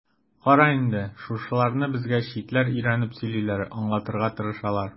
Кара инде, шушыларны безгә читләр өйрәнеп сөйлиләр, аңлатырга тырышалар.